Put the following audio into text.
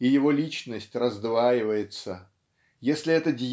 И его личность раздваивается. Если это